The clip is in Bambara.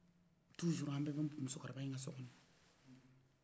tuzur an bɛ bɛ ɲɔngɔn sɔrɔ muso baɲi ka sokɔnɔ